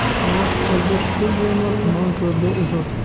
noshukurda shukur bo'lmas nonko'rda uzr